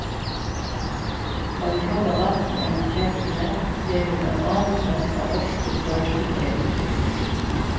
tá vit kóka vatn í einum ketli verður ein ávís nøgd av orku førd til ketilin